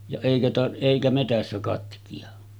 ja eikä - eikä metsässä katkea